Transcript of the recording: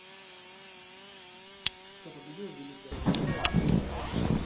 кто победил в великой отечественной войне